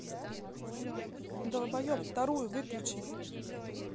долбоеб вторую выключи